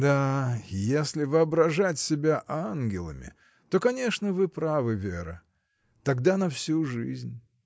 — Да, если воображать себя ангелами, то, конечно, вы правы, Вера: тогда — на всю жизнь.